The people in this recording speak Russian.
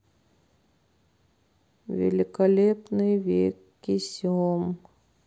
великолепный век кесем